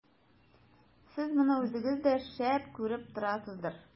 Сез моны үзегез дә, шәт, күреп торасыздыр.